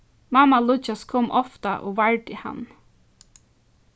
mamma líggjas kom ofta og vardi hann